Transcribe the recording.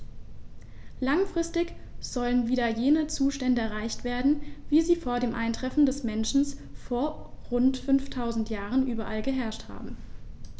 Langfristig sollen wieder jene Zustände erreicht werden, wie sie vor dem Eintreffen des Menschen vor rund 5000 Jahren überall geherrscht haben.